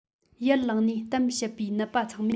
ཡར ལངས ནས གཏམ བཤད པའི ནད པ ཚང མས